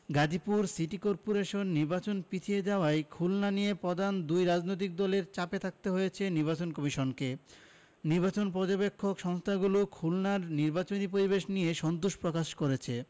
Gazipur city corporation নির্বাচন পিছিয়ে যাওয়ায় খুলনা নিয়ে প্রধান দুই রাজনৈতিক দলের চাপে থাকতে হয়েছে নির্বাচন কমিশনকে নির্বাচন পর্যবেক্ষক সংস্থাগুলো খুলনার নির্বাচনী পরিবেশ নিয়ে সন্তোষ প্রকাশ করেছে